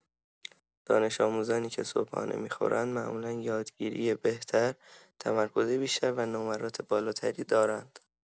دانش‌آموزانی که صبحانه می‌خورند معمولا یادگیری بهتر، تمرکز بیشتر و نمرات بالاتری دارند.